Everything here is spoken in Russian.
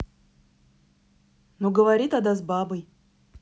ну говори тогда с бабой